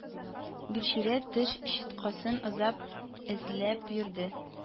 Гөлчирә теш щеткасын озак эзләп йөрде.